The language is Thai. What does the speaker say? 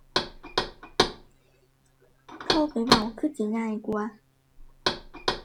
โทรไปเว้าคือจิง่ายกว่า